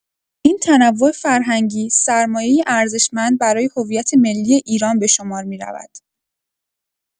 این تنوع فرهنگی، سرمایه‌ای ارزشمند برای هویت ملی ایران به شمار می‌رود.